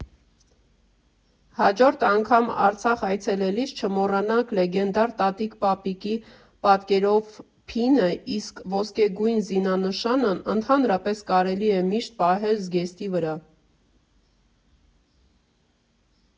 Հաջորդ անգամ Արցախ այցելելիս չմոռանաք լեգենդար Տատիկ֊պապիկի պատկերով փինը, իսկ ոսկեգույն զինանշանն ընդհանրապես կարելի է միշտ պահել զգեստի վրա։